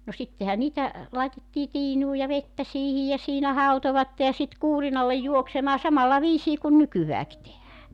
no sittenhän niitä laitettiin tiinuun ja vettä siihen ja siinä hautoivat ja sitten kuurinalle juoksemaan samalla viisiin kuin nykyäänkin tehdään